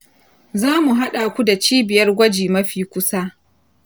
zamu haɗaku da cibiyar gwaji mafi kusa.